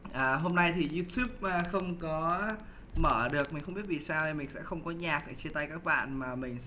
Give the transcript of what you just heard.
hôm nay thì iu túp không có mở được mình không biết vì sao nên mình sẽ không có nhạc để chia tay các bạn mà mình